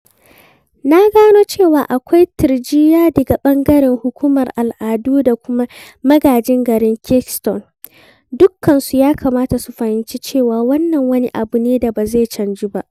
Na gano cewa akwai tirjiya daga ɓangaren Hukumar Al'adu da kuma Magajin Garin Kingston. Dukkansu ya kamata su fahimci cewa wannan wani abu ne da ba zai canju ba.